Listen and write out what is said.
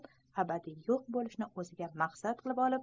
abadiy yo'q bo'lishni o'ziga maqsad qilib olib